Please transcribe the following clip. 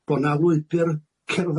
bo' 'na lwybyr cerdd-